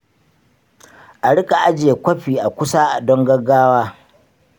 a riƙa ajiye kwafi a kusa don gaggawa.